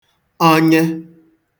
ọnyẹ